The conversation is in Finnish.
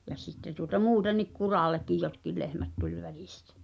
ja sitten tuota muutenkin kurallekin jotkin lehmät tuli välistä